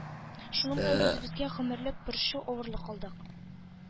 Шуның белән үзебезгә гомерлек борчу, авырлык алдык.